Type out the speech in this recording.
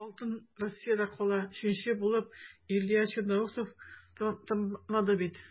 Әмма алтын Россиядә кала - өченче булып Илья Черноусов тәмамлады бит.